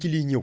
ci liy ñëw